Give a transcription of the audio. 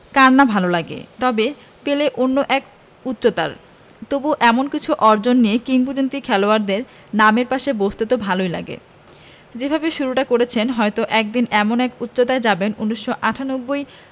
কার না ভালো লাগে তবে পেলে অন্য এক উচ্চতার তবু এমন কিছু অর্জন দিয়ে কিংবদন্তি খেলোয়াড়দের নামের পাশে বসতে তো ভালোই লাগে যেভাবে শুরুটা করেছেন হয়তো একদিন এমন এক উচ্চতায় যাবেন ১৯৯৮